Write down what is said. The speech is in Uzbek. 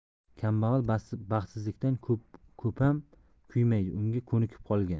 kambag'al baxtsizlikdan ko'pam kuymaydi unga ko'nikib qolgan